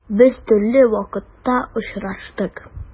Без төрле вакытта очраштык.